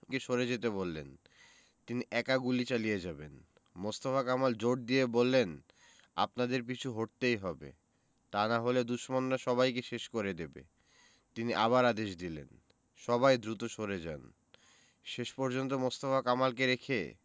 সরে যেতে বললেন তিনি একা গুলি চালিয়ে যাবেন মোস্তফা কামাল জোর দিয়ে বললেন আপনাদের পিছু হটতেই হবে তা না হলে দুশমনরা সবাইকে শেষ করে দেবে তিনি আবার আদেশ দিলেন সবাই দ্রুত সরে যান শেষ পর্যন্ত মোস্তফা কামালকে রেখে